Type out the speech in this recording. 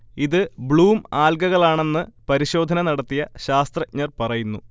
ഇത് ബ്ലൂം ആൽഗകളാണെന്ന് പരിശോധന നടത്തിയ ശാസ്ത്രജ്ഞർ പറയുന്നു